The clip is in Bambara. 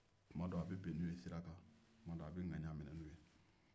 tuma dɔw a bɛ bin n'u ye sira kan tuma dɔw a bɛ ŋaɲa minɛ